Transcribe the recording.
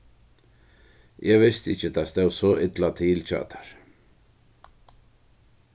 eg visti ikki at tað stóð so illa til hjá tær